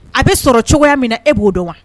A bɛ sɔrɔ cogoya min na e b'o dɔn wa